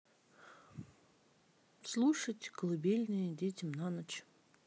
слушать колыбельные детям на ночь